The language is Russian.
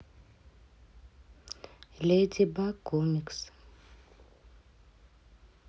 леди баг комикс